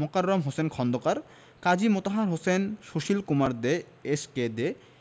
Mokarram Hossain Khondokar Kazi Motahar Hossain Sushil Kumar De S K they